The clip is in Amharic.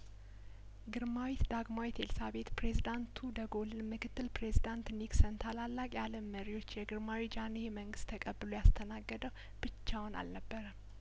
ግርማዊት ዳግማዊት ኤልሳቤጥ ፕሬዚዳንቱ ደጐልንምክትል ፕሬዚዳንት ኒክሰን ታላላቅ የአለም መሪዎች የግርማዊ ጃንሆይ መንግስት ተቀብሎ ያስተናገ ደው ብቻውን አልነበረም